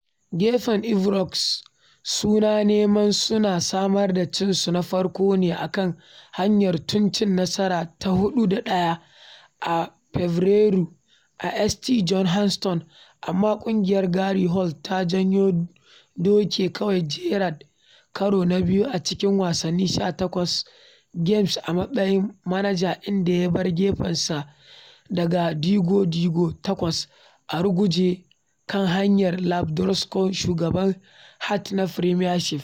Gefen Ibrox suna neman su samar da cinsu na farko ne a kan hanyar tun cin nasara ta 4 da 1 a Fabarairu a St Johnstone, amma ƙungiyar Gary Holt ta janyo doke kawai Gerrard karo na biyu a cikin wasanni 18 games a matsayin manaja inda ya bar gefensa da ɗigo-ɗigo takwas a ruguje kan hanyar Ladbrokes shugabannin Hearts na Premiership.